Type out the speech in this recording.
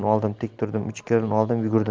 oldim tik turdim uch kelin oldim yugurdim